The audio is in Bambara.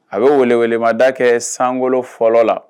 A bɛ weleelemada kɛ sankolo fɔlɔ la